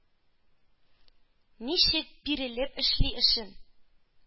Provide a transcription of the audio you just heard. Ничек бирелеп эшли эшен...